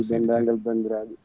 dendagal bandiraɓe